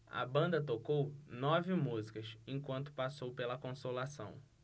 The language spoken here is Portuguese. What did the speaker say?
a banda tocou nove músicas enquanto passou pela consolação